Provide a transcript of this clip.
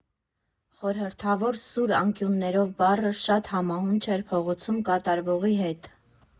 Խորհրդավոր, սուր անկյուններով բառը շատ համահունչ էր փողոցում կատարվողի հետ։